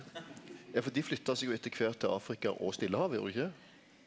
ja for dei flytta seg jo etter kvart til Afrika og Stillehavet gjorde dei ikkje det?